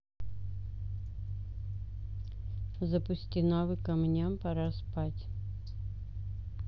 запусти навык ам ням пора спать